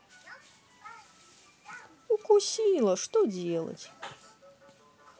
укусила что делать